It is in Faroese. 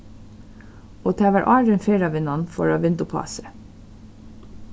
og tað var áðrenn ferðavinnan fór at vinda upp á seg